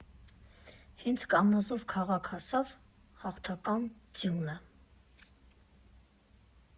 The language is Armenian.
Հենց Կամազով քաղաք հասավ հաղթական ձյունը։